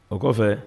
O kɔfɛ